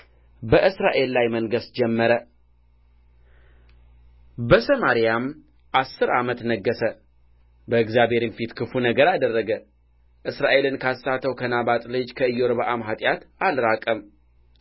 በእስራኤል ላይ መንገሥ ጀመረ በሰማርያም አሥር ዓመት ነገሠ በእግዚአብሔርም ፊት ክፉ ነገር አደረገ እስራኤልን ካሳተው ከናባጥ ልጅ ከኢዮርብዓም ኃጢአት አልራቀም